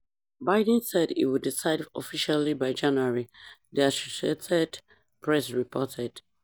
Biden said he would decide officially by January, the Associated Press reported.